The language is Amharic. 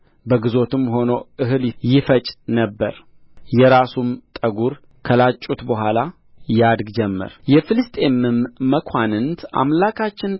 በግዞትም ሆኖ እህል ይፈጭ ነበር የራሱም ጠጕር ከላጩት በኋላ ያድግ ጀመር የፍልስጥኤምም መኳንንት አምላካችን